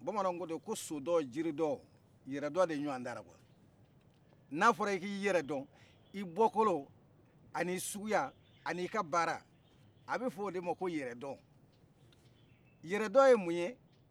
bamananw kote ko so dɔn jiri dɔn yɛrɛ dɔn de ɲɔgɔn tɛ n'a fɔ i k'i yɛrɛ dɔn i bɔ kolo ani suguya ani ka baara a bi fɔ de ma ko yɛrɛ dɔn yɛredɔn ye mun